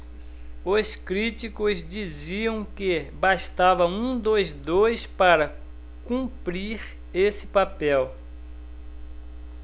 os críticos diziam que bastava um dos dois para cumprir esse papel